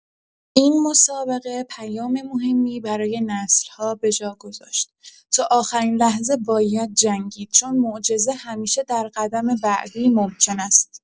این مسابقه پیام مهمی برای نسل‌ها به جا گذاشت: تا آخرین لحظه باید جنگید، چون معجزه همیشه در قدم بعدی ممکن است.